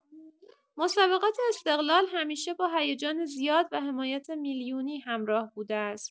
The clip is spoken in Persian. مسابقات استقلال همیشه با هیجان زیاد و حمایت میلیونی همراه بوده است.